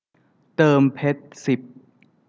เติมเพชรสิบ